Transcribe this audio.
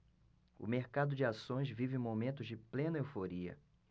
o mercado de ações vive momentos de plena euforia